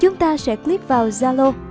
chúng ta sẽ click vào zalo